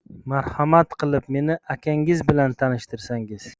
marhamat qilib meni akanggiz bilan tanishtirsangiz